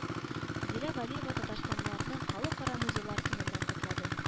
Зилә Вәлиева татарстанлыларны Халыкара музейлар көне белән котлады